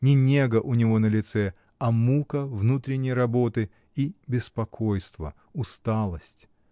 не нега у него на лице, а мука внутренней работы и беспокойство, усталость.